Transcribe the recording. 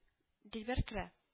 Дилбәр керә